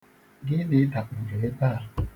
Gịnị dakpuru ebe a?